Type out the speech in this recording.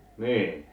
niin